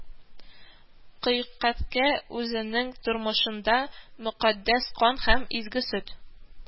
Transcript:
Кыйкатькә, үзенең тормышында «мөкаддәс кан» һәм «изге сөт»